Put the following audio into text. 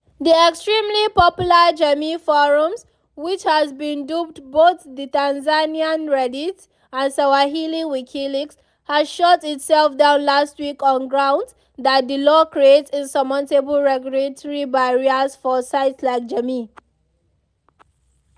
The extremely popular Jamii Forums — which has been dubbed both the “Tanzanian Reddit” and “Swahili Wikileaks” — has shut itself down last week on grounds that the law creates insurmountable regulatory barriers for sites like Jamii.